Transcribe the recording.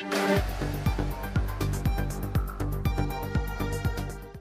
San